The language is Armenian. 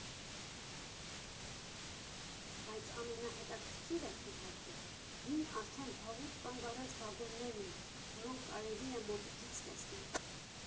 Բայց ամենահետաքրքիրը, իհարկե, հին, արդեն վաղուց կանգ առած վագոններն են, որոնք կարելի է մոտիկից տեսնել։